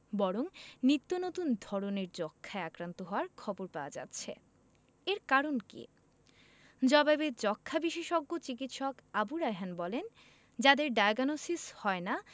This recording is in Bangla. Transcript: বরং নিত্যনতুন ধরনের যক্ষ্মায় আক্রান্ত হওয়ার খবর পাওয়া যাচ্ছে এর কারণ কী জবাবে যক্ষ্মা বিশেষজ্ঞ চিকিৎসক আবু রায়হান বলেন যাদের ডায়াগনসিস হয় না